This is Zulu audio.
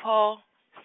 pho